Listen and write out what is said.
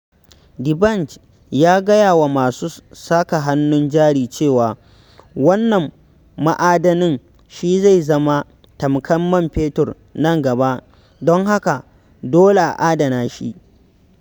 Dbanj ya gaya wa masu saka hannun-jari cewa, '' wannn ma'adanin shi zai zama tamkar man fetur nan gaba'', don haka dole a adana shi.